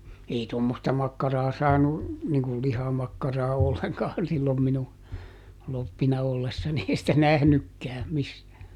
ei tuommoista makkaraa saanut niin kun lihamakkaraa ollenkaan silloin minun kloppina ollessani ei sitä nähnytkään missään